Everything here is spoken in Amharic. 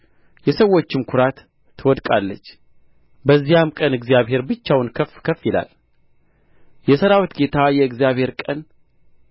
የሰዎችም ኵራት ትወድቃለች በዚያም ቀን እግዚአብሔር ብቻውን ከፍ ከፍ ይላል የሠራዊት ጌታ የእግዚአብሔር ቀን